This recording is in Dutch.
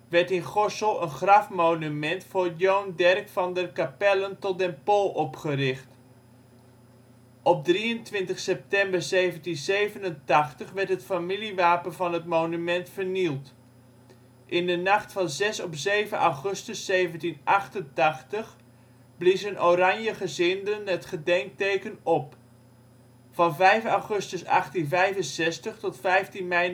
werd in Gorssel een grafmo­nument voor Joan Derk van der Capellen tot den Pol opgericht. Op 23 september 1787 werd het familiewapen van het monument vernield. In de nacht van 6 op 7 augustus 1788 bliezen Oranjegezinden het gedenkteken op. Van 5 augustus 1865 tot 15 mei 1938